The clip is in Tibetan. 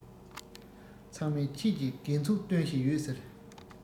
ཚང མས ཁྱེད ཀྱིས རྒན ཚུགས སྟོན བཞིན ཡོད ཟེར